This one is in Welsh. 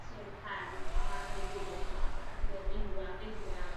sy yn y pen a yn gwddw fel arfer ne' unhyw we- unryw le arall